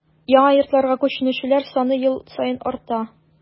Яңа йортларга күченүчеләр саны ел саен арта.